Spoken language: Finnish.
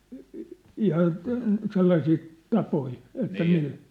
- ihan - sellaisia tapoja että millä